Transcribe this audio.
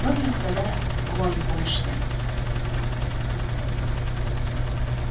bir lahzada g'oyib bo'lishdi